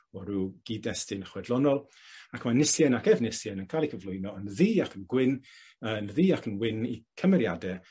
bo' ryw gyd-destun chwedlonol ac ma' Nisien ac Efnisien yn ca'l 'u cyflwyno yn ddu ac yn gwyn yn ddu ac yn wyn i cymeriade